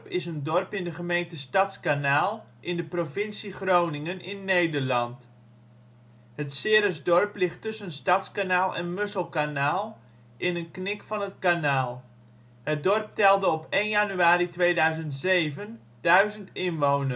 is een dorp in de gemeente Stadskanaal in de provincie Groningen (Nederland). Het Ceresdorp ligt tussen Stadskanaal en Musselkanaal in een knik van het kanaal. Het dorp telde op 1 januari 2007 1.000 inwoners. Het